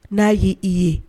N'a y' i ye